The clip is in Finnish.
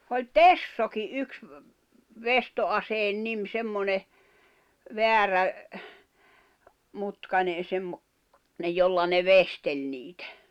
oli tessokin yksi veistoaseen nimi semmoinen väärä mutkainen - semmoinen jolla ne veisteli niitä